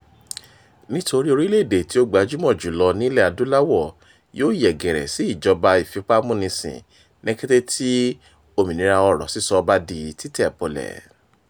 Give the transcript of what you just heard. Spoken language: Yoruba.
Nítorí orílẹ̀ èdèe tí ó gbajúmọ̀ jù lọ nílẹ̀ Adúláwọ̀ yóò yẹ̀ gẹ̀rẹ̀ sí ìjọba ìfipámúnisìn ní kété tí òmìnira ọ̀rọ̀ sísọ bá di títẹ̀ bọlẹ̀.